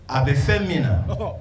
A bɛ fɛn min na, ɔhɔɔ.